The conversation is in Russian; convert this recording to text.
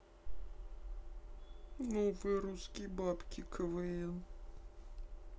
новые русские бабки квн